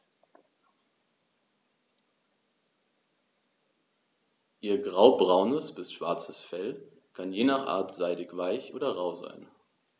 Ihr graubraunes bis schwarzes Fell kann je nach Art seidig-weich oder rau sein.